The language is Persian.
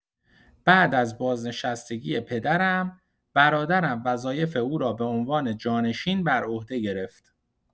بعد از بازنشستگی پدرم، برادرم وظایف او را به عنوان جانشین بر عهده گرفت.